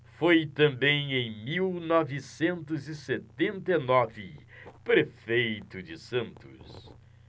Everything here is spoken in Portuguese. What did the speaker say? foi também em mil novecentos e setenta e nove prefeito de santos